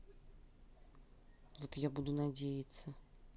вот я буду надеяться